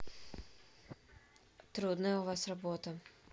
трудная увас работа